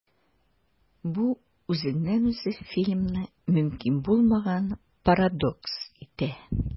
Бу үзеннән-үзе фильмны мөмкин булмаган парадокс итә.